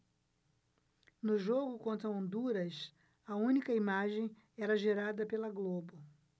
no jogo contra honduras a única imagem era gerada pela globo